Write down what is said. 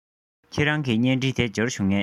ཁྱེད རང གི བརྙན འཕྲིན དེ འབྱོར བྱུང ངས